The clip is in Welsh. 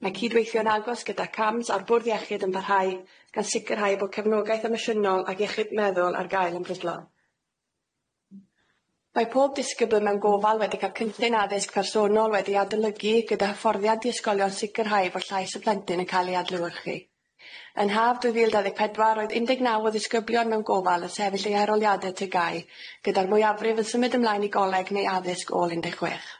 Mae cydweithio'n agos gyda Cams a'r bwrdd iechyd yn parhau, gan sicrhau bo' cefnogaeth emosiynol ag iechyd meddwl ar gael yn brydlon. Mae pob disgybl mewn gofal wedi cael cynllun addysg personnol wedi'i adolygu gyda hyfforddiant i ysgolion sicrhau bo' llais y plentyn yn cael ei adlewyrchu. Yn Haf dwy fil dau ddeg pedwar roedd un deg naw o ddisgyblion mewn gofal yn sefyll eu haroliadau Ty Gy AU gyda'r mwyafrif yn symud ymlaen i goleg neu addysg ôl un deg chwech.